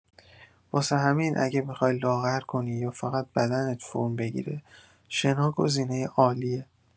واسه همین اگه می‌خوای لاغر کنی یا فقط بدنت فرم بگیره، شنا گزینه عالیه.